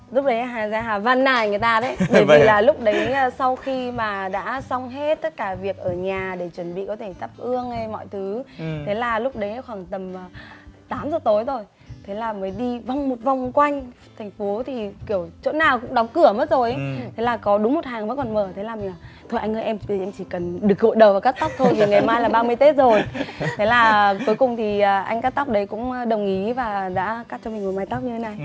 lúc đấy là hà ra hà van nài người ta đấy bởi vì là lúc đấy sau khi mà đã xong hết tất cả việc ở nhà để chuẩn bị có thể thắp hương hay mọi thứ thế là lúc đấy khoảng tầm tám giờ tối rồi thế là mới đi vòng một vòng quanh thành phố thì kiểu chỗ nào cũng đóng cửa mất rồi thế là có đúng một hàng vẫn còn mở thế là mình thôi anh ơi em chỉ cần được gội đầu và cắt tóc thôi ngày mai là ba mươi tết rồi thế là cuối cùng thì anh cắt tóc đấy cũng đồng ý và đã cắt cho mình mái tóc như thế này